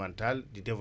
agriculture